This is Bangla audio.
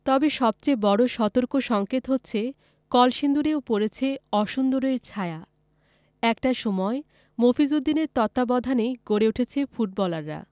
তবে সবচেয়ে বড় সতর্কসংকেত হচ্ছে কলসিন্দুরেও পড়েছে অসুন্দরের ছায়া একটা সময় মফিজ উদ্দিনের তত্ত্বাবধানেই গড়ে উঠেছে ফুটবলাররা